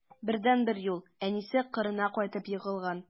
Бердәнбер юл: әнисе кырына кайтып егылган.